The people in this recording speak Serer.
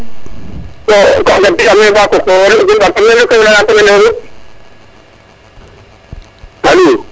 *